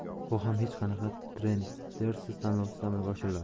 bu ham hech qanaqa tendersiz tanlovsiz amalga oshiriladi